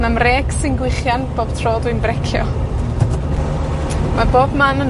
Ma'm mrêcs yn gwichian bob tro dwi'n brecio. Ma' bob man yn